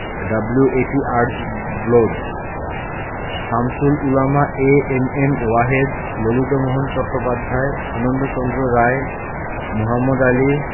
W A T. Archbold Shamsul Ulama ANM Wahed Lalitmohan Chattopadhyay Anandachandra Roy Mohammad Ali